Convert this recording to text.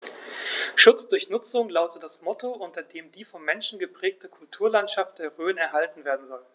„Schutz durch Nutzung“ lautet das Motto, unter dem die vom Menschen geprägte Kulturlandschaft der Rhön erhalten werden soll.